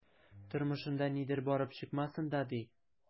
Тормышында нидер барып чыкмасын да, ди...